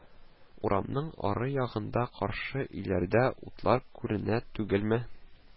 Урамның ары ягындагы каршы өйләрдә утлар күренә түгелме